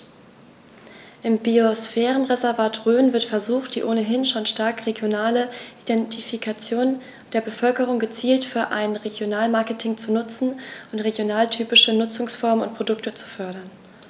Im Biosphärenreservat Rhön wird versucht, die ohnehin schon starke regionale Identifikation der Bevölkerung gezielt für ein Regionalmarketing zu nutzen und regionaltypische Nutzungsformen und Produkte zu fördern.